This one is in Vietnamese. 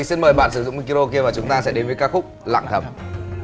xin mời bạn sử dụng mi cà rô kia và chúng ta sẽ đến với ca khúc lặng thầm